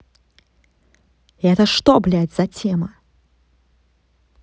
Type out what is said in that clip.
это что блядь за тема